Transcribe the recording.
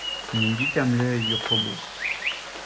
Нинди тәмле йокы бу!